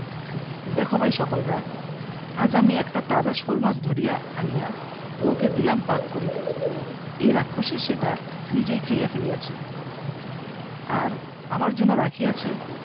দেখ ভাই সকলরা আজ আমি একটা তাজা শোলমাছ ধরিয়া আনিয়া বউকে দিলাম পাক করিতে এই রাক্ষসী সেটা নিজেই খাইয়া ফেলিয়াছে আর আমার জন্য রাখিয়াছে